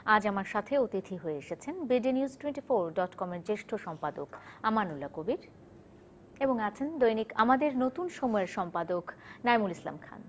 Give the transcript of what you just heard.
আজ আমার সাথে অতিথি হয়ে এসেছেন বিডিনিউজ টোয়েন্টিফোর ডটকমের জ্যেষ্ঠ সম্পাদক আমানুল্লাহ কবীর এবং আছেন দৈনিক আমাদের নতুন সময়ের সম্পাদক নাঈমুল ইসলাম খান